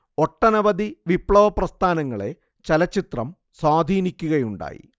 ഒട്ടനവധി വിപ്ലവ പ്രസ്ഥാനങ്ങളെ ചലച്ചിത്രം സ്വാധീനിക്കുകയുണ്ടായി